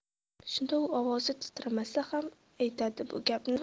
shunda u ovozi titramasa ham aytadi bu gapni